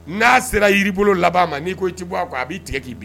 N'a sera yiri i bolo laban ma n'i ko i ci bɔ a kuwa a' tigɛ k'i bi